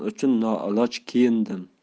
uchun noiloj kiyindim